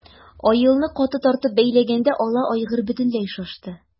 Аелны каты тартып бәйләгәндә ала айгыр бөтенләй шашты.